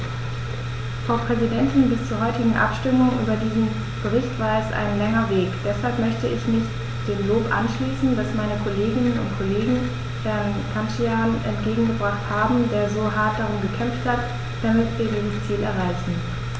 Frau Präsidentin, bis zur heutigen Abstimmung über diesen Bericht war es ein langer Weg, deshalb möchte ich mich dem Lob anschließen, das meine Kolleginnen und Kollegen Herrn Cancian entgegengebracht haben, der so hart darum gekämpft hat, damit wir dieses Ziel erreichen.